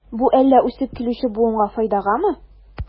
Бу әллә үсеп килүче буынга файдагамы?